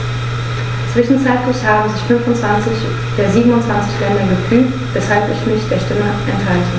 Zwischenzeitlich haben sich 25 der 27 Länder gefügt, weshalb ich mich der Stimme enthalte.